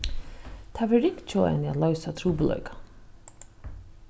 tað verður ringt hjá henni at loysa trupulleikan